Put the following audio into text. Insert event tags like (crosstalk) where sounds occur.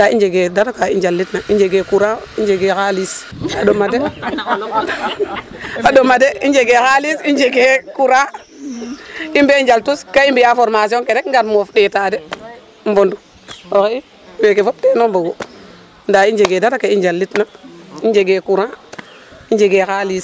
Ndaa i njegee dara ka njalitna i njegee courant i njegee xaalis a ɗoma de (laughs) a ɗoma de i njegee xaalis i njegee (laughs) courant i mbee njal tus ga i mbi' a formation ke rek ngar mof ɗeetaa rek mbondu weeke fop teen o mbogu ndaa i njegee dara (applause) ka i njalitna, i njegee courant i njegee xaalis .